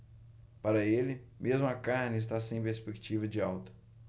para ele mesmo a carne está sem perspectiva de alta